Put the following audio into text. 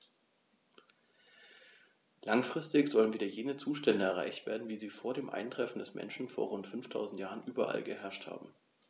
Langfristig sollen wieder jene Zustände erreicht werden, wie sie vor dem Eintreffen des Menschen vor rund 5000 Jahren überall geherrscht haben.